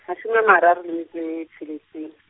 mashome a mararo, le metso e, tsheletseng.